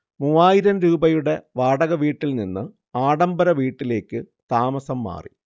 മൂവായിരം രൂപയുടെ വാടകവീട്ടിൽ നിന്ന് ആഢംബര വീട്ടിലേക്ക് താമസം മാറി